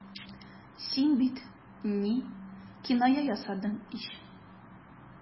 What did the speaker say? Син бит... ни... киная ясадың ич.